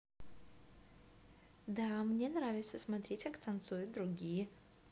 да мне нравится смотреть как танцуют другие